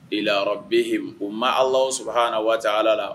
' la yɔrɔ bɛyi o ma ala sɔrɔha na wa ala la